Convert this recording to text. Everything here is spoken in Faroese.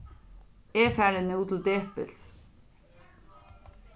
eg fari nú til depils